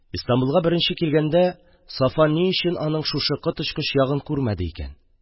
Истанбулга беренче килгәндә Сафа ни өчен аның шушы коточкыч ягын күрмәде икән?